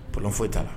Plɔn foyi t'a la